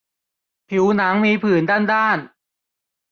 ผิวหนังมีผื่นด้านด้าน